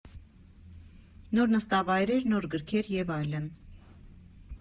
Նոր նստավայրեր, նոր գրքեր և այլն։